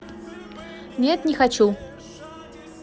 нет не хочу